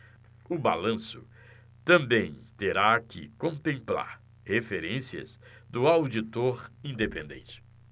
o balanço também terá que contemplar referências do auditor independente